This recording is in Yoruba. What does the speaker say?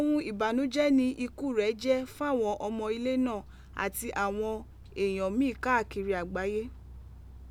Ohun ibanujẹ ni iku rẹ jẹ fawọn ọmọ ile naa ati awọn eeyan mii kakiri agbaye.